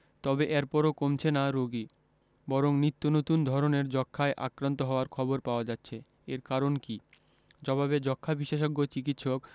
তবে এরপরও কমছে না রোগী বরং নিত্যনতুন ধরনের যক্ষ্মায় আক্রান্ত হওয়ার খবর পাওয়া যাচ্ছে এর কারণ কী জবাবে যক্ষ্মা বিশেষজ্ঞ চিকিৎসক